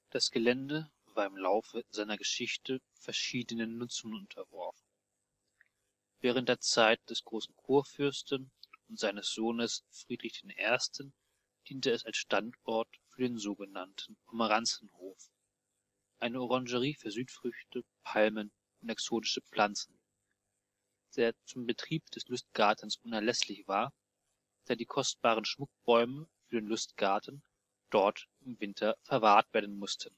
Das Gelände war im Laufe seiner Geschichte verschiedenen Nutzungen unterworfen: Während der Zeit des Großen Kurfürsten und seines Sohnes Friedrich I. diente es als Standort für den sogenannten „ Pomeranzenhof “, (eine Orangerie für Südfrüchte, Palmen und exotische Pflanzen), der zum Betrieb des Lustgartens unerlässlich war, da die kostbaren Schmuckbäume für den Lustgarten dort im Winter verwahrt werden mussten